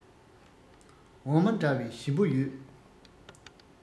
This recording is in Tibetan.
འོ མ འདྲ བ ཞིམ པོ ཡོད